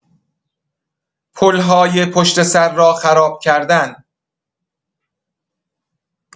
پل‌های پشت‌سر را خراب کردن